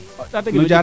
o ret Tataguine